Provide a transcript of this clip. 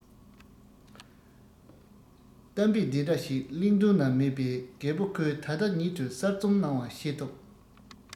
གཏམ དཔེ འདི འདྲ ཞིག གླིང སྒྲུང ན མེད པས རྒད པོ ཁོས ད ལྟ ཉིད དུ གསར རྩོམ གནང བ ཤེས ཐུབ